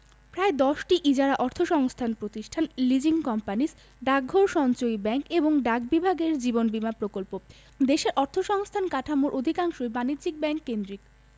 প্রায় ১০টি ইজারা অর্থসংস্থান প্রতিষ্ঠান লিজিং কোম্পানিস ডাকঘর সঞ্চয়ী ব্যাংক এবং ডাক বিভাগের জীবন বীমা প্রকল্প দেশের অর্থসংস্থান কাঠামোর অধিকাংশই বাণিজ্যিক ব্যাংক কেন্দ্রিক